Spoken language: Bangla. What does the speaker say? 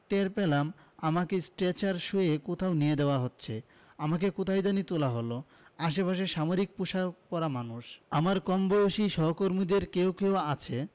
টের পেলাম আমাকে স্ট্রেচারে শুইয়ে কোথাও নিয়ে যাওয়া হচ্ছে আমাকে কোথায় জানি তোলা হলো আশেপাশে সামরিক পোশাক পরা মানুষ আমার কমবয়সী সহকর্মীদের কেউ কেউ আছে